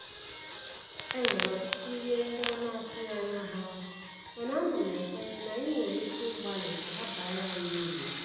E nwere ọtụtụ ihe ndị a na-atụghị anya ha, mana ana m ekwenye na anyị nwere ike ịgbalị, ka ha baara anyị uru.